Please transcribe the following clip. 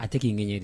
A tɛ k'i ŋɛɲɛ de